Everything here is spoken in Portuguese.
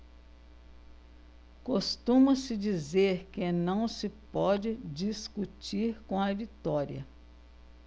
costuma-se dizer que não se pode discutir com a vitória